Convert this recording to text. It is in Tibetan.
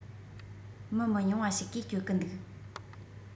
མི མི ཉུང བ ཞིག གིས སྤྱོད གི འདུག